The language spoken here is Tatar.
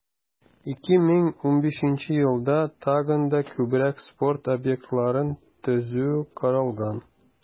2015 елда тагын да күбрәк спорт объектларын төзү каралган.